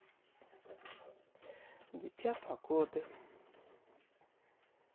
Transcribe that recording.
дитя погоды